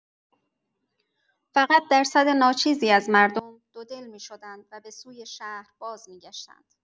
فقط درصد ناچیزی از مردم دودل می‌شدند و به‌سوی شهر بازمی‌گشتند.